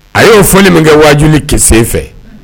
A y'o fɔli min kɛ wajuli k sen fɛ